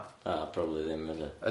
O probably ddim felly.